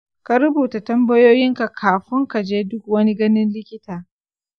ka rabuta tambayoyinka kafun kaje duk wani ganin likita.